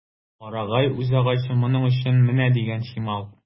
Карагай үзагачы моның өчен менә дигән чимал.